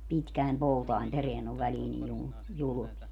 pitkien poutien perään on väliin niin - julmia